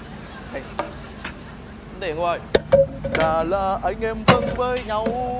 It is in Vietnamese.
đi tính tiền cô ơi đã là là anh em thân với nhau